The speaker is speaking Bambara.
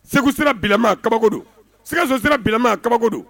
Segu sira bilama kabako don sikaso sera bilama kaba don